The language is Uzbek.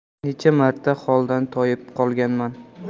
necha marta holdan toyib qolganman